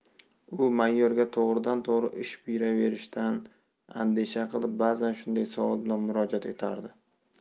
u mayorga to'g'ridan to'g'ri ish buyuraverishdan andisha qilib ba'zan shunday savol bilan murojaat etardi